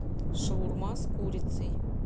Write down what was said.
шаурма с курицей